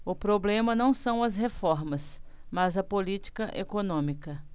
o problema não são as reformas mas a política econômica